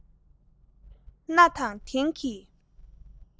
གནའ དང དེང གི